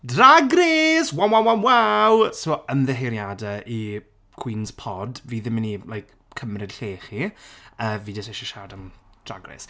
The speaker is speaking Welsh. Drag Race! Wa wa wa waw! So ymddiheuriadau i Cwîns Pod. Fi ddim yn mynd i like cymryd lle chi. Yy fi jyst isie siarad am Drag Race.